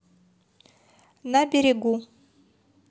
на берегу